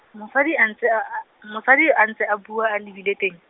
mosadi a ntse a , mosadi a ntse a bua a lebile teng.